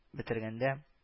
Битергәндә